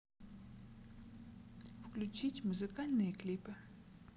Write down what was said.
включить музыкальные клипы